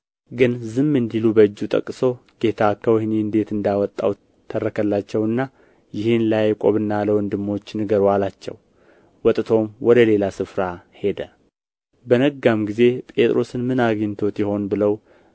ግን ዝም እንዲሉ በእጁ ጠቅሶ ጌታ ከወኅኒ እንዴት እንዳወጣው ተረከላቸውና ይህን ለያዕቆብና ለወንድሞች ንገሩ አላቸው ወጥቶም ወደ ሌላ ስፍራ ሄደ በነጋም ጊዜ ጴጥሮስን ምን አግኝቶት ይሆን ብለው